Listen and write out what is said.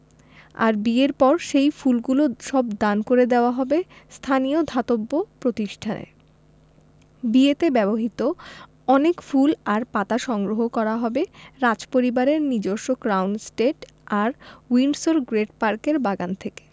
আর বিয়ের পর সেই ফুলগুলো সব দান করে দেওয়া হবে স্থানীয় ধাতব্য প্রতিষ্ঠানে বিয়েতে ব্যবহৃত অনেক ফুল আর পাতা সংগ্রহ করা হবে রাজপরিবারের নিজস্ব ক্রাউন এস্টেট আর উইন্ডসর গ্রেট পার্কের বাগান থেকে